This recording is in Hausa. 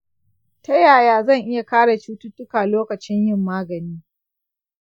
ta ya zan iya kare cututtuka lokacin yin magani?